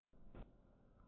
སློབ འབྲིང གི དུས སྐབས